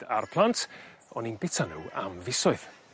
...a'r plant o'n i'n bita n'w am fisoedd.